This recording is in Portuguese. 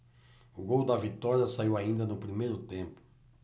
o gol da vitória saiu ainda no primeiro tempo